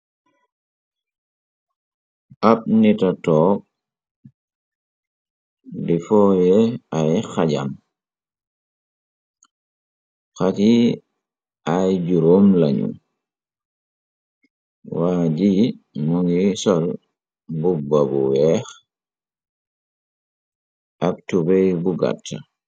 Ab nita toog di fooye ay xajam xaj yi ay juróom lañu waa ji mu ngi sol mbubbabu weex ak tubey bu gàtt.